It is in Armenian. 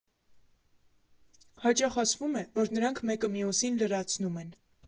Հաճախ ասվում է, որ նրանք մեկը մյուսին լրացնում են։